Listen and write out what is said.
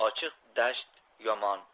ochiq dasht yomon